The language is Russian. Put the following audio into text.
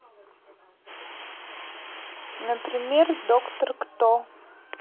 например доктор кто